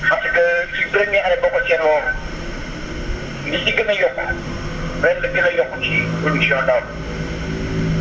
parce que si première année bi boo ko seetloo li si gën a yokku ren la gën a yokku ci production daaw bi